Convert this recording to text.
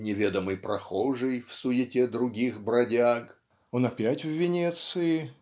"неведомый прохожий в суете других бродяг" он опять в Венеции